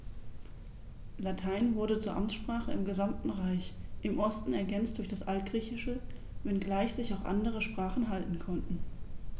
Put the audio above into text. Latein wurde zur Amtssprache im gesamten Reich (im Osten ergänzt durch das Altgriechische), wenngleich sich auch andere Sprachen halten konnten.